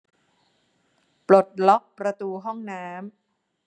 ปลดล็อกประตูห้องน้ำ